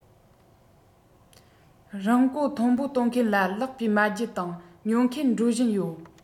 རིན གོང མཐོན པོ གཏོང མཁན ལ ལེགས པས མ བརྗེད དང ཉོ མཁན འགྲོ བཞིན ཡོད